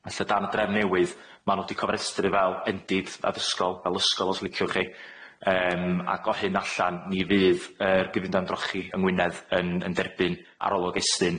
A lly dan y drefn newydd ma' n'w di cofrestru fel endid addysgol, fel ysgol os liciwch chi, yym ac o hyn allan mi fydd yr gyfundrafn drochi yng Ngwynedd yn yn derbyn arolwg Estyn.